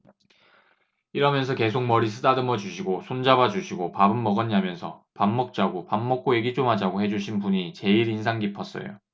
이러면서 계속 머리 쓰다듬어주시고 손 잡아주시고 밥은 먹었냐면서 밥 먹자고 밥 먹고 얘기 좀 하자고 해 주신 분이 제일 인상 깊었어요